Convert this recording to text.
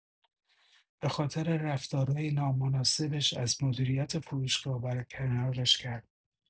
به‌خاطر رفتارای نامناسبش از مدیریت فروشگاه برکنارش کردن.